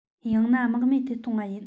ཡང ན རྨེག མེད དུ གཏོང བ ཡིན